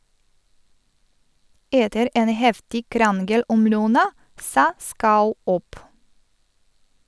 Etter en heftig krangel om lønna , sa Schau opp.